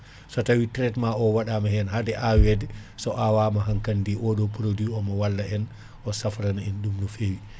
so taawi traitement o waɗaama hen haade aweede ,so awama hankadi oɗo produit omo walla en o safrana en ɗum no feewi